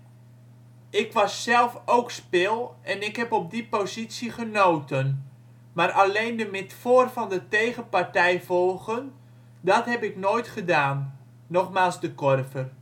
was zelf ook spil en ik heb op die positie genoten, maar alleen de midvoor van de tegenpartij volgen, dat heb ik nooit gedaan. " Nogmaals De Korver